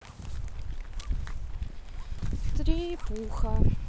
три пуха